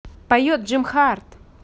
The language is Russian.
поет jim hart